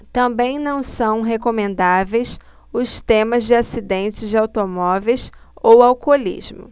também não são recomendáveis os temas de acidentes de automóveis ou alcoolismo